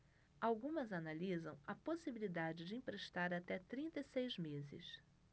algumas analisam a possibilidade de emprestar até trinta e seis meses